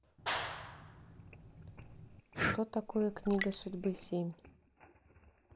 что такое книга судьбы семь